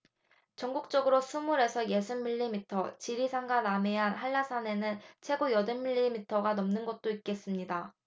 전국적으로 스물 에서 예순 밀리미터 지리산과 남해안 한라산에는 최고 여든 밀리미터가 넘는 곳도 있겠습니다